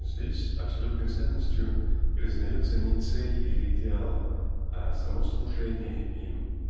Здесь абсолютной ценностью признается не цель или идеал а само служение им